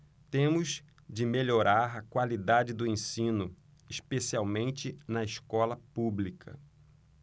temos de melhorar a qualidade do ensino especialmente na escola pública